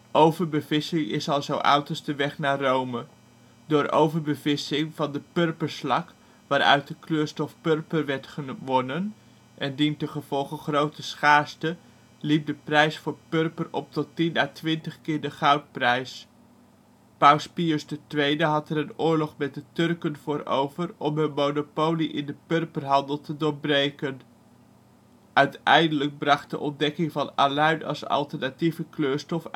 Overbevissing is al zo oud als de weg naar Rome. Door overbevissing van de purperslak, waaruit de kleurstof purper werd gewonnen, en dientengevolge grote schaarste, liep de prijs voor purper op tot 10 à 20 x de goudprijs. Paus Pius II had er een oorlog met de Turken voor over om hun monopolie in de purperhandel te doorbreken. Uiteindelijk bracht de ontdekking van aluin als alternatieve kleurstof